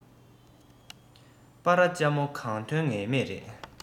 སྤ ར ལྕ མོ གང ཐོན ངེས མེད རེད